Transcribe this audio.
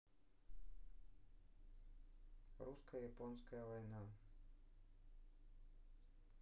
русско японская война